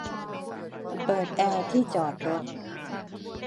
เปิดแอร์ที่จอดรถ